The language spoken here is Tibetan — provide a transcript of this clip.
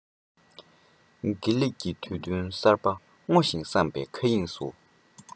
དགེ ལེགས ཀྱི དུས སྟོན གསར པ སྔོ ཞིང བསངས པའི མཁའ དབྱིངས སུ